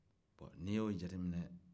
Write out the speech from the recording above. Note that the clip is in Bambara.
bon n'i y'o jateminɛ